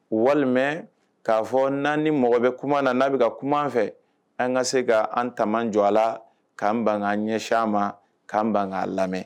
Walima k'a fɔ naani ni mɔgɔ bɛ kuma na n'a bɛ ka kuma fɛ an ka se ka an taama jɔ a la k'an bɛn ɲɛsin an ma k'an ban a lamɛn